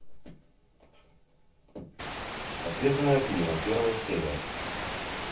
отрезанные от мира первая серия